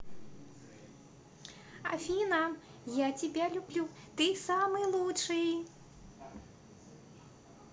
афина я тебя люблю ты самый лучший